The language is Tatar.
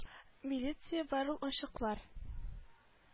Милиция бар ул ачыклар